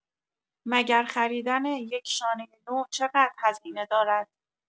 مگر خریدن یک شانۀ نو چقد هزینه دارد؟!